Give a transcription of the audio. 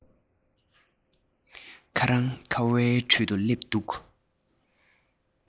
ཁ རང ཁ བའི ཁྲོད དུ སླེབས འདུག